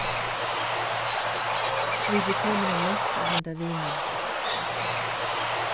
vit eru komin ov langt at venda við nú